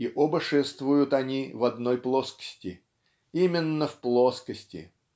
и оба шествуют они в одной плоскости именно в плоскости.